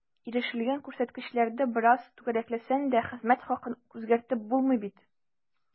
Ирешелгән күрсәткечләрне бераз “түгәрәкләсәң” дә, хезмәт хакын үзгәртеп булмый бит.